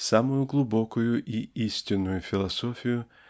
самую глубокую и истинную философию